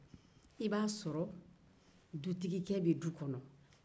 i b'a sɔrɔ dutigike be du kɔnɔ